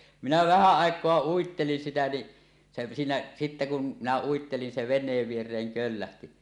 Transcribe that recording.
minä vähän aikaa uittelin sitä niin se siinä sitten kun minä uittelin se veneen viereen köllähti